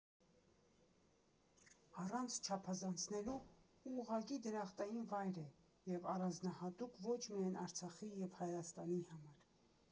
Առանց չափազանցնելու ուղղակի դրախտային վայր է և առանձնահատուկ ոչ միայն Արցախի և Հայաստանի համար։